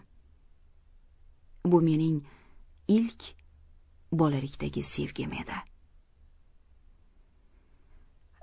bu mening ilk bolalikdagi sevgim edi